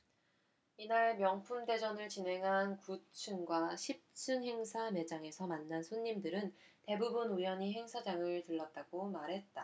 이날 명품대전을 진행한 구 층과 십 층 행사 매장에서 만난 손님들은 대부분 우연히 행사장을 들렀다고 말했다